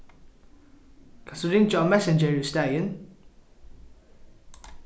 kanst tú ringja á messenger í staðin